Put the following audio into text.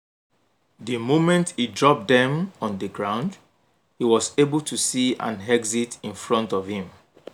The moment he dropped them on the ground, he was able to see an exit in front of him.